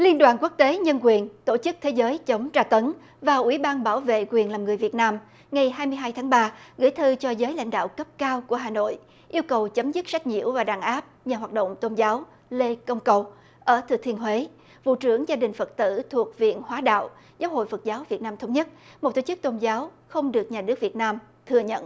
liên đoàn quốc tế nhân quyền tổ chức thế giới chống tra tấn và ủy ban bảo vệ quyền là người việt nam ngày hai mươi hai tháng ba gửi thư cho giới lãnh đạo cấp cao của hà nội yêu cầu chấm dứt sách nhiễu và đàn áp nhà hoạt động tôn giáo lê công cầu ở thừa thiên huế vụ trưởng gia đình phật tử thuộc viện hóa đạo giáo hội phật giáo việt nam thống nhất một tổ chức tôn giáo không được nhà nước việt nam thừa nhận